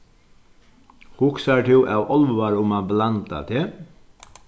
hugsar tú av álvara um at blanda teg